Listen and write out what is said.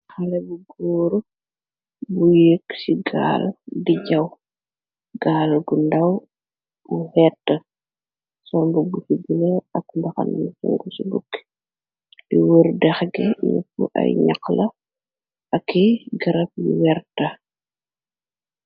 Xalé bu góor bu yéeg ci gaal di jaw gaal gu ndaw bu xeett sonbu bu fi jile ak ndaxananu sengu ci bukk li wër dexge yépp ay ñax la aky garab yu werta.